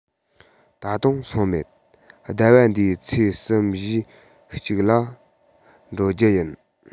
ད དུང སོང མེད ཟླ བ འདིའི ཚེས གསུམ བཞིའི གཅིག ལ འགྲོ རྒྱུུ ཡིན